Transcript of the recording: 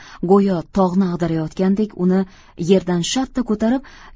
go'yo tog'ni ag'darayotgandek uni yerdan shartta ko'tarib